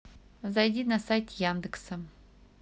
зайди на сайт яндекса